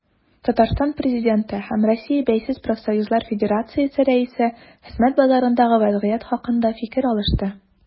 Татарстан Президенты һәм Россия Бәйсез профсоюзлар федерациясе рәисе хезмәт базарындагы вәзгыять хакында фикер алышты.